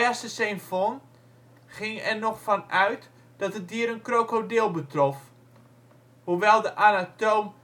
de Saint-Fond ging er nog vanuit dat het dier een krokodil betrof. Hoewel de anatoom